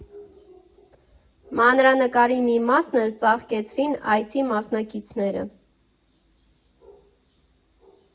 Մանրանկարի մի մասն էլ ծաղկեցրին այցի մասնակիցները։